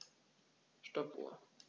Stoppuhr.